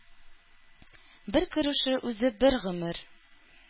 Бер күрешү үзе бер гомер.